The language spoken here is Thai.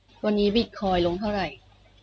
วันนี้บิทคอยน์ลงเท่าไหร่